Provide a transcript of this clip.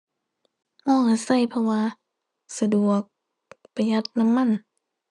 มอไซค์เพราะว่า สะดวก ประหยัดน้ำมัน